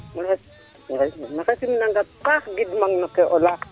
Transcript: mexey simnang a paax gidmang no kee o layaa